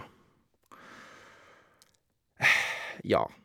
Ja.